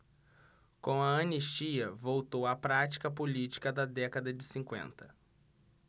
com a anistia voltou a prática política da década de cinquenta